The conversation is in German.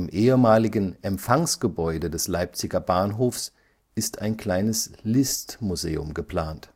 ehemaligen Empfangsgebäude des Leipziger Bahnhofs ist ein kleines List-Museum geplant